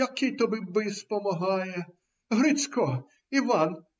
- Який тоби бис помогае! Грицко! Иван!